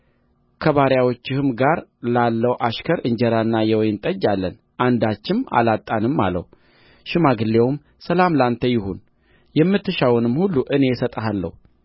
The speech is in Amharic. ከባሪያዎችህም ጋር ላለው አሽከር እንጀራና የወይን ጠጅ አለን አንዳችም አላጣንም አለው ሽማግሌውም ሰላም ከአንተ ጋር ይሁን የምትሻውንም ሁሉ እኔ እሰጥሃለሁ